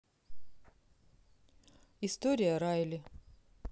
история райли